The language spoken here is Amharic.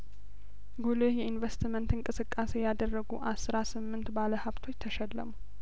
ጉልህ የኢንቨስትመንት እንቅስቃሴ ያደረጉ አስራ ስምንት ባለሀብቶች ተሸለሙ